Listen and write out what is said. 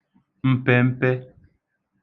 mpempe